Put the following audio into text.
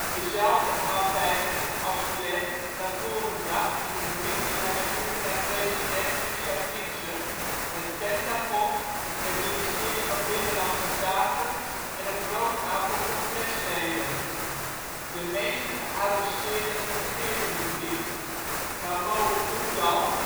dezelfde aantijgingen als Glen naar voren bracht in een brief die hij stuurde naar president Richard Nixon, het Pentagon, het Ministerie van Binnenlandse Zaken en een groot aantal Congresleden. De meeste geadresseerden negeerden de brief, maar Mo Udall